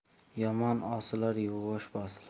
yomon osilar yuvvosh bosilar